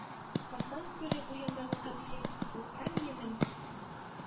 Хасан күле буендагы конфликт Кызыл армиянең